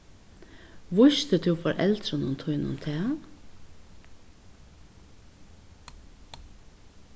vísti tú foreldrunum tínum tað